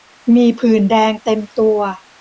มีผื่นแดงเต็มตัว